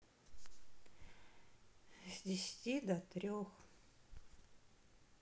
с десяти до трех